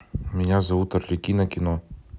меня зовут арлекино кино